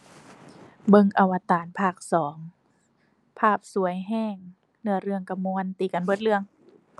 เบิ่ง Avatar ภาคสอง ภาพสวยแรง เนื้อเรื่องแรงม่วน ตีกันเบิดเรื่อง